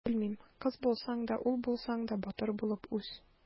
Белмим: кыз булсаң да, ул булсаң да, батыр булып үс!